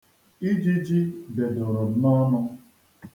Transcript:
Ijiji bedoro m n'ọnụ.